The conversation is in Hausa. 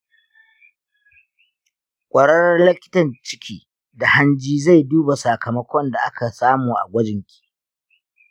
kwararren likitan ciki da hanji zai duba sakamakon da aka samu a gwajin ki.